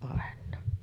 aina